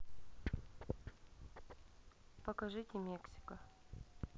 покажите мексика